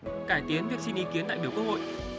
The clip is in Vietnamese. cải tiến việc xin ý kiến đại biểu quốc hội